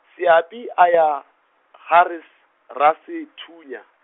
Seapi a ya, ha Res-, Rasethunya.